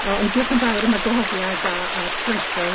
Yy ond diolch yn fawr am y gwahoddiad a a'r croeso.